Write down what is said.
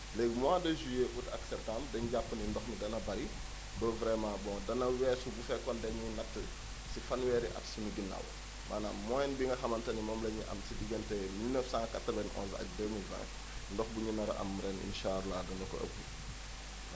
léegi mois de juillet ak septembre dañu jàpp ne ndox mi dana bëri ba vraiment bon dana weesu su fekkoon dañu natt si fanweeri at suñu ginnaaw maanaam moyenne bi nga xamante ni moom la ñu am si diggante 1991 ak 2020 ndox bu ñu nar a am ren incha allah dana ko ëpp waaw